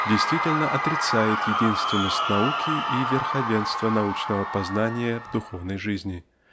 действительно отрицает единственность науки и верховенство научного познания в духовной жизни